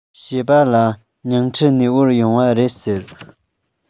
བཤད པ ལ ཉིང ཁྲི ནས དབོར ཡོང བ རེད ཟེར